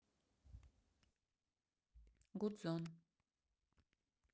гудзон